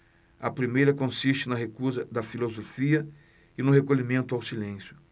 a primeira consiste na recusa da filosofia e no recolhimento ao silêncio